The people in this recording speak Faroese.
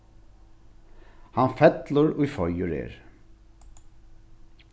hann fellur ið feigur er